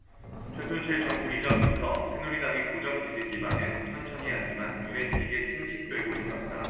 최순실 정국 이전부터 새누리당의 고정 지지 기반은 천천히 하지만 눈에 띄게 침식되고 있었다